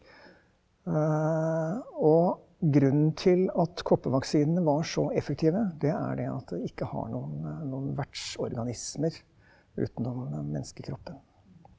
og grunnen til at koppervaksinene var så effektive det er det at de ikke har noen noen vertsorganismer utenom menneskekroppen.